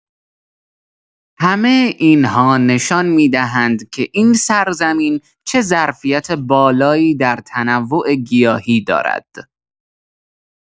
همه این‌ها نشان می‌دهند که این سرزمین چه ظرفیت بالایی در تنوع گیاهی دارد.